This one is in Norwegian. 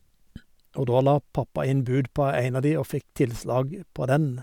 Og da la pappa inn bud på en av de og fikk tilslag på den.